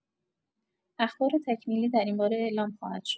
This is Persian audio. اخبار تکمیلی در این باره اعلام خواهد شد.